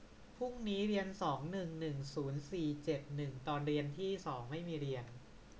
พรุ่งนี้วิชาสองหนึ่งหนึ่งศูนย์สี่เจ็ดหนึ่งตอนเรียนที่สองไม่มีเรียน